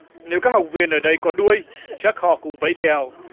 nếu các học viên ở đây có đuôi chắc họ cũng vẫy theo